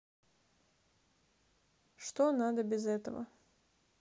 что надо без этого